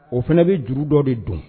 O fana bɛ juru dɔ de don